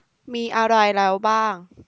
มีอะไรแล้วบ้าง